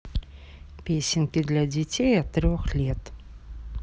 песенки для детей от трех лет